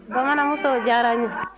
bamananmuso o diyara n ye